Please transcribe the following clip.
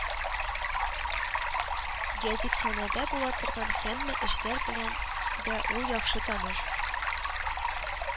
Гәзитханәдә була торган һәммә эшләр белән дә ул яхшы таныш